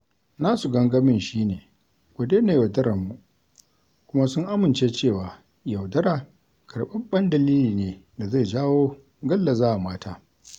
Nasu gangamin shi ne "Ku Daina Yaudarar Mu" kuma sun amince cewa yaudara karɓaɓɓen dalili ne da zai jawo gallazawa mata.